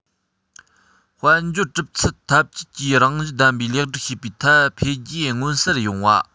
དཔལ འབྱོར གྲུབ ཚུལ འཐབ ཇུས ཀྱི རང བཞིན ལྡན པའི ལེགས སྒྲིག བྱེད པའི ཐད འཕེལ རྒྱས མངོན གསལ ཡོང བ